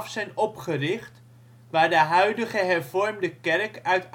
zijn opgericht, waar de huidige hervormde kerk uit